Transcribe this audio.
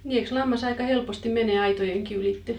niin eikös lammas aika helposti mene aitojenkin ylitse